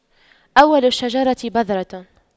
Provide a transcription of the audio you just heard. أول الشجرة بذرة